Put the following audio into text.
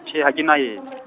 tjhee ha kena yen-.